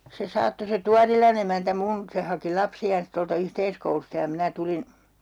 se saattoi se Tuorilan emäntä minun se haki lapsiaan tuolta yhteiskoulusta ja minä tulin